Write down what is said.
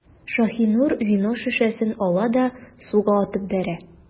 Шаһинур вино шешәсен ала да суга атып бәрә.